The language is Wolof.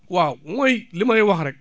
waaw mooy li may wax rek